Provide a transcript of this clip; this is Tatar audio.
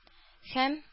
Һәм